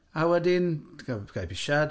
A wedyn, tg- ga i bisiad.